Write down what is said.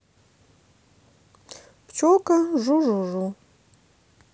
пчелка жужужу